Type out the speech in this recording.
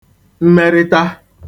mmerịta